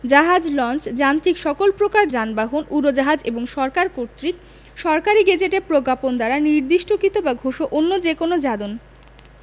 জাহাজ লঞ্চ যান্ত্রিক সকল প্রকার জন যানবাহন উড়োজাহাজ এবং সরকার কর্তৃক সরকারী গেজেটে প্রজ্ঞাপন দ্বারা নির্দিষ্টকৃত বা ঘোষ অন্য যে কোন যাদন